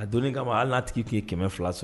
A donnin kama hali n'a tigi kun ye 1000 sɔrɔ.